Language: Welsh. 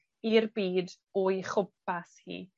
i'r byd o'i chwmpas hi.